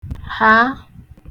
hàa